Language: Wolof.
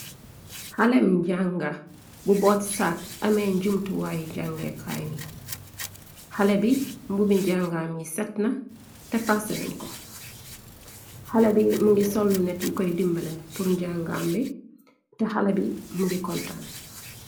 Xalem njanga bu bot sac, ameh njumtuwaayu jangee kaay mi, xale bi mbubi njangaam yi set na te paseh nenko, xale bi mu ngi sol lunet yu koy dimbale pur njàngaambi te xale bi mungi kontaan.